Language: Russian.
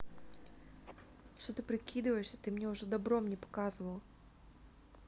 что ты прикидываешься ты мне уже добром не показывала